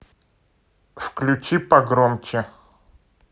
включи погромче